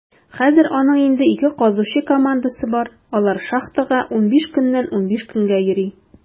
Хәзер аның инде ике казучы командасы бар; алар шахтага 15 көннән 15 көнгә йөри.